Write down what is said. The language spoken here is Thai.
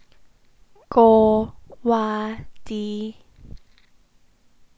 โกวาจี